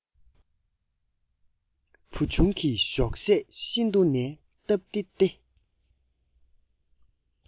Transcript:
བུ ཆུང གི ཞོགས ཟས ཤིན ཏུ ནས སྟབས བདེ སྟེ